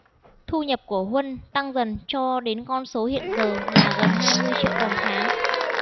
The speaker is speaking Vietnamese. thu nhập của huân tăng dần cho đến con số hiện giờ là gần hai mươi triệu đồng tháng